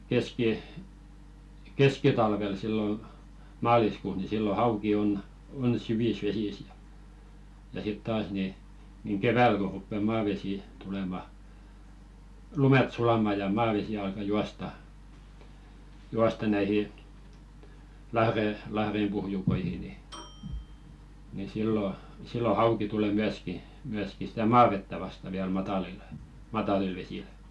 - keskitalvella silloin maaliskuussa niin silloin hauki on on syvissä vesissä ja ja sitten taas niin niin keväällä kun rupeaa maavesi tulemaan lumet sulamaan ja maavesi alkaa juosta juosta näihin - lahdenpohjukoihin niin niin silloin silloin hauki tulee myöskin myöskin sitä maavettä vastaan vielä matalilla matalilla vesillä